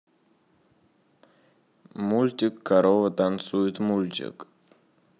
мультик корова танцует мультик